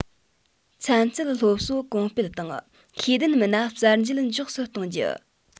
ཚན རྩལ སློབ གསོ གོང སྤེལ དང ཤེས ལྡན མི སྣ གསར འབྱེད མགྱོགས སུ གཏོང རྒྱུ